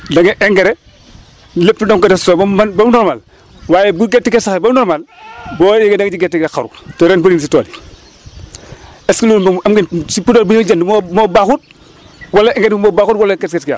da ngay engrais lépp da nga ko def soo ba mu man ba mu normal waaye bu gerte gi saxee ba normal boo yeggee da nga gis gerte gi xaru te ren bëri na si tool yi est ce que loolu nu mu sa puudar bi nga jënd moo moo baaxut wala engrais bi moo baaxul wala qu' est ce qu' il y a